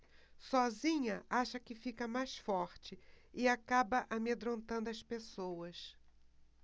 sozinha acha que fica mais forte e acaba amedrontando as pessoas